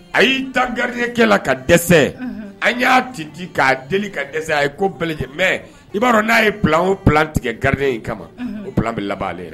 A y'i da garirinkɛla la ka dɛsɛ an y'a ti di k'a deli ka dɛsɛ a ye komɛ i b'a dɔn n'a ye bila o tigɛ ga garirin in kama o bɛ labanale yɛrɛ